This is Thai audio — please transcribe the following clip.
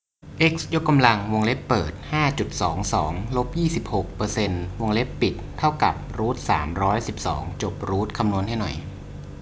เอ็กซ์ยกกำลังวงเล็บเปิดห้าจุดสองสองลบยี่สิบหกเปอร์เซนต์วงเล็บปิดเท่ากับรูทสามร้อยสิบสองจบรูทคำนวณให้หน่อย